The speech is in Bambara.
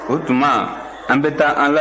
o tuma an bɛ taa an labɛn ka na